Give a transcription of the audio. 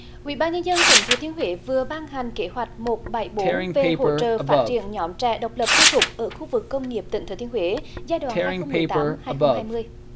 ủy ban nhân dân tỉnh thừa thiên huế vừa ban hành kế hoạch một bảy bốn về hỗ trợ phát triển nhóm trẻ độc lập tư thục ở khu vực công nghiệp tỉnh thừa thiên huế giai đoạn hai không mười tám hai không hai mươi